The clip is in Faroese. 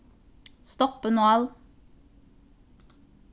stoppinál